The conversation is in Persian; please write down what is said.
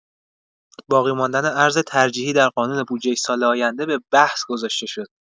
باقی‌ماندن ارز ترجیحی در قانون بودجه سال آینده به بحث گذاشته شد.